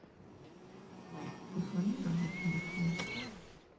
позвони на мой телефон